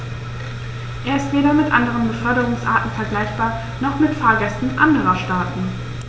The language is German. Er ist weder mit anderen Beförderungsarten vergleichbar, noch mit Fahrgästen anderer Staaten.